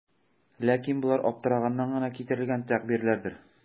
Ләкин болар аптыраганнан гына китерелгән тәгъбирләрдер.